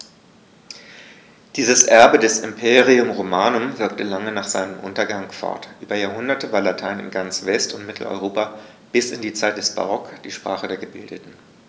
Dieses Erbe des Imperium Romanum wirkte lange nach seinem Untergang fort: Über Jahrhunderte war Latein in ganz West- und Mitteleuropa bis in die Zeit des Barock die Sprache der Gebildeten.